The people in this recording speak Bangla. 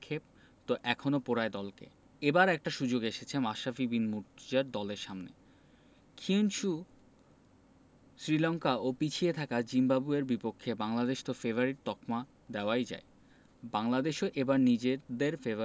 এশিয়া কাপের ফাইনালের সেই ২ রানের আক্ষেপ তো এখনো পোড়ায় দলকে এবার একটা সুযোগ এসেছে মাশরাফি বিন মুর্তজার দলের সামনে ক্ষয়িষ্ণু শ্রীলঙ্কা ও পিছিয়ে থাকা জিম্বাবুয়ের বিপক্ষে বাংলাদেশ তো ফেবারিট তকমা দেওয়াই যায়